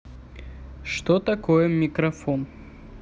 что такое микрофон